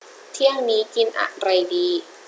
เที่ยงนี้กินอะไรดี